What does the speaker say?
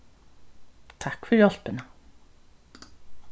takk fyri hjálpina